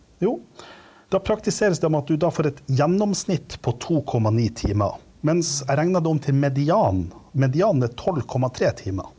jo da praktiseres det med at du da får et gjennomsnitt på 2,9 timer, mens regner du om til medianen, medianen er 12,3 timer.